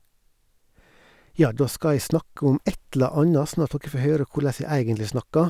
Ja, da skal jeg snakke om et eller anna, sånn at dokker får høre korleis jeg egentlig snakker.